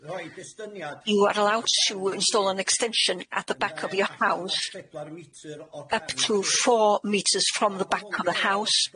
You are allowed to install an extension at the back of your house up to four metres from the back of the house.